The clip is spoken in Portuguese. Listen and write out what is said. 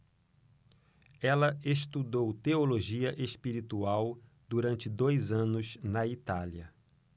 ela estudou teologia espiritual durante dois anos na itália